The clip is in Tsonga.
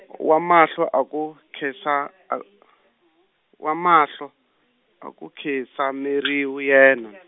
wa mahlo a ku nkhensa a, wa mahlo, a ku nkhinsameriwa yena .